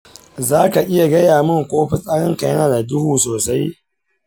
za ka iya gaya min ko fitsarinka yana da duhu sosai?